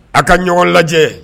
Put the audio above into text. A ka ɲɔgɔn lajɛ